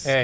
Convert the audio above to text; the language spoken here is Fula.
eyyi